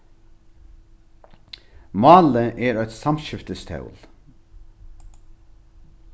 málið er eitt samskiftistól